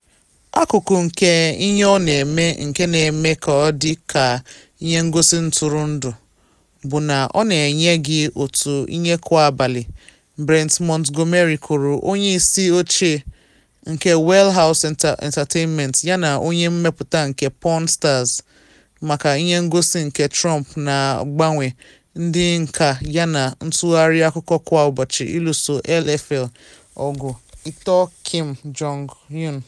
“Akụkụ nke ihe ọ na eme nke na eme ka ọ dị ka ihe ngosi ntụrụndụ bụ na ọ na enye gị otu ihe kwa abalị,” Brent Montgomery kwuru, onye isi oche nke Wheelhouse Entertainment yana onye mmepụta nke “Pawn Stars”, maka ihe ngosi nke Trump na agbanwe ndị nka yana ntụgharị akụkọ kwa ụbọchị (iluso N.F.L. ọgụ, ito Kim Jong-un).